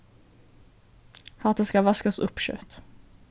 hatta skal vaskast upp skjótt